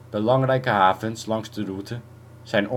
Belangrijke havens langs de route zijn